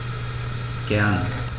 Gern.